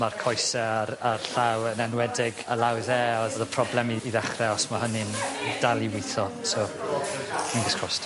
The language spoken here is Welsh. ma'r coese a'r a'r llaw yn enwedig a law dde odd y problemydd i ddechre os ma' hynny'n dal i witho so fingers crossed.